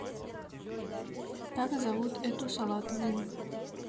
как зовут эту салатовую